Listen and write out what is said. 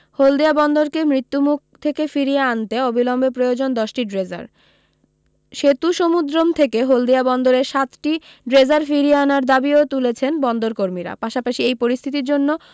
হলদিয়া বন্দরকে মৃত্যু মুখ থেকে ফিরিয়ে আনতে অবিলম্বে প্রয়োজন দশ টি ড্রেজার সেতুসমুদ্রম থেকে হলদিয়া বন্দরের সাত টি ড্রেজার ফিরিয়ে আনার দাবিও তুলেছেন বন্দর কর্মীরা পাশাপাশি এই পরিস্থিতির জন্য